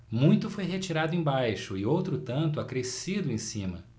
muito foi retirado embaixo e outro tanto acrescido em cima